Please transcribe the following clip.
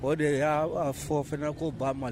O de y'a fɔ fana ko ba